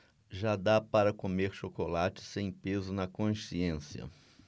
já dá para comer chocolate sem peso na consciência